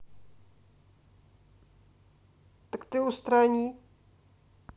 так ты устрани